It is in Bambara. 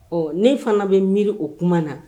Ɔ ne fana bɛ miiri o kuma na